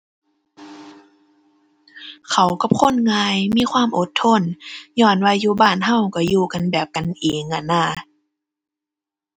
เข้ากับคนง่าย มีความอดทน ญ้อนว่าอยู่บ้านเราเราอยู่กันแบบกันเองอะนะ